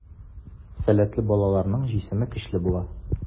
Сәләтле балаларның җисеме көчле була.